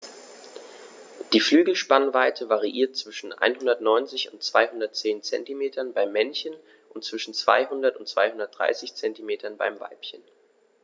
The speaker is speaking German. Die Flügelspannweite variiert zwischen 190 und 210 cm beim Männchen und zwischen 200 und 230 cm beim Weibchen.